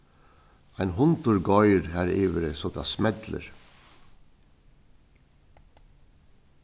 ein hundur goyr har yviri so tað smellir